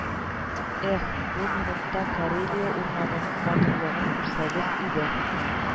Эх, бу минутта Карелия урманының матурлыгын күрсәгез иде